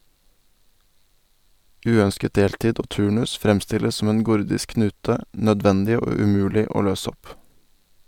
Uønsket deltid og turnus fremstilles som en gordisk knute, nødvendig og umulig å løse opp.